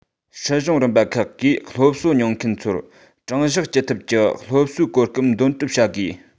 སྲིད གཞུང རིམ པ ཁག གིས སློབ གསོ མྱོང མཁན ཚོར དྲང གཞག ཅི ཐུབ ཀྱི སློབ གསོའི གོ སྐབས འདོན སྤྲོད བྱ དགོས